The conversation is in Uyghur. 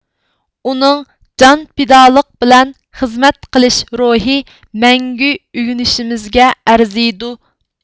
ئۇنىڭ جان پىدالىق بىلەن خىزمەت قىلىش روھى مەڭگۈ ئۆگىنىشىمىزگە ئەرزىيدۇ